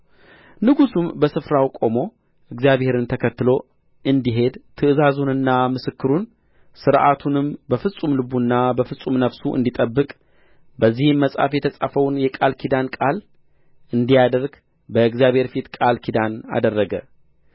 ንጉሡም በስፍራው ቆሞ እግዚአብሔርን ተከትሎ እንዲሄድ ትእዛዙንና ምስክሩን ሥርዓቱንም በፍጹም ልቡና በፍጹም ነፍሱ እንዲጠብቅ በዚህም መጽሐፍ የተጻፈውን የቃል ኪዳን ቃል እንዲያደርግ በእግዚአብሔር ፊት ቃል ኪዳን አደረገ